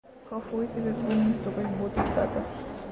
Гафу итегез, бу мин түгел, бу цитата.